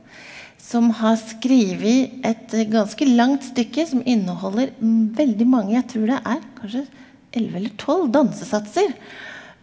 som har skrevet et ganske langt stykke som inneholder veldig mange jeg trur det er kanskje elleve eller tolv dansesatser.